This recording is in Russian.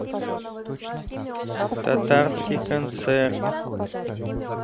татарский концерт